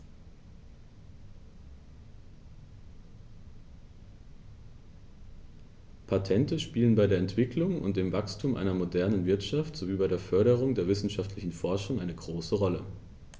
Patente spielen bei der Entwicklung und dem Wachstum einer modernen Wirtschaft sowie bei der Förderung der wissenschaftlichen Forschung eine große Rolle.